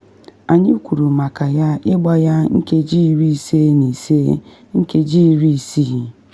“Anyị kwuru maka ya ịgba ya nkeji 55, 60.